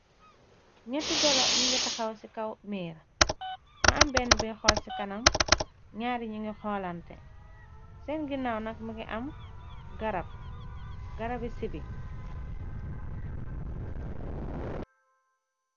Ñetti golo ñi ngi taxaw ci kaw miir, mu am benne buy xool ci kanam, ñaari ñu ngi xoolante, seen gannaaw nak mingi am garab, garabi sibi.